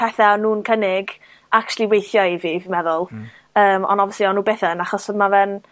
pethe o' nw'n cynnig actually weithio i fi fi'n meddwl. Hmm. Yym ond obviously o'n nw byth yn achos odd ma' fe'n,